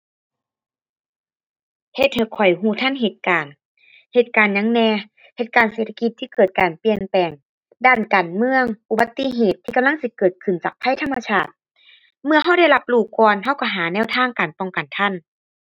เฮ็ดให้ข้อยรู้ทันเหตุการณ์ เหตุการณ์หยังแหน่ เหตุการณ์เศรษฐกิจที่เกิดการเปลี่ยนแปลง ด้านการเมือง อุบัติเหตุที่กำลังสิเกิดขึ้นจากภัยธรรมชาติ เมื่อรู้ได้รับรู้ก่อนรู้รู้หาแนวทางการป้องกันทัน